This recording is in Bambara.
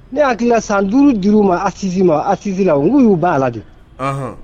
Ne hakilila san 5 dir'uma assise la ulu y'u ban a la de.